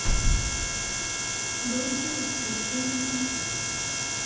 группа воскресенье